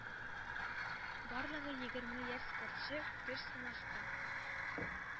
Барлыгы егерме яшь спортчы көч сынашты.